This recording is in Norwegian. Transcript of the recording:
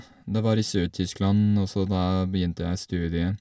Det var i Sør-Tyskland, og så da begynte jeg studien.